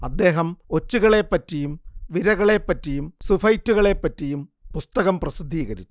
അദ്ദേഹം ഒച്ചുകളെപ്പറ്റിയും വിരകളെപ്പറ്റിയും സൂഫൈറ്റുകളെപ്പറ്റിയും പുസ്തകം പ്രസിദ്ധീകരിച്ചു